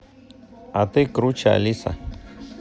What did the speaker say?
а ты круче алиса